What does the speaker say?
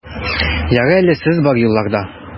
Ярый әле сез бар юлларда!